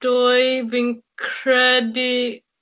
Dwy, fi'n credu,